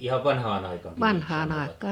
ihan vanhaan aikaankin niin sanoivat